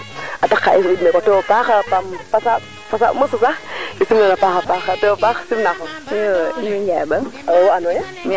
a ganu ngajir xa saraxe so a ɗingale koy nuun former na qoox nuun wala ga am it a ɗinga le ka may daɗ a may daɗ lool so nam nu mbiya bo mbago ngoox